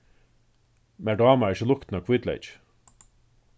mær dámar ikki luktin av hvítleyki